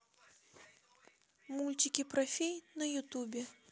мультики про фей на ютубе